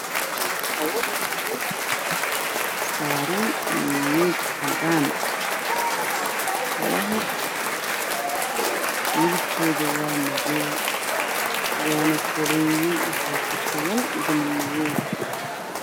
Waa Kobo saran miis cadan midabkode waa madow waxan kutolan dun madow ah